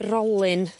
rolyn